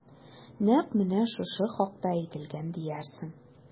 Нәкъ менә шушы хакта әйтелгән диярсең...